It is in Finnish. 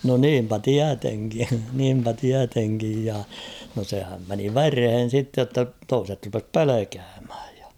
no niinpä tietenkin niinpä tietenkin ja no sehän meni vereen sitten jotta toiset rupesi pelkäämään ja